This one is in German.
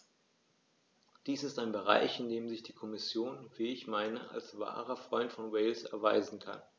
Dies ist ein Bereich, in dem sich die Kommission, wie ich meine, als wahrer Freund von Wales erweisen kann.